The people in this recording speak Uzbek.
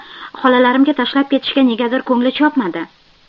xolalarimga tashlab ketishga negadir ko'ngli chopmadi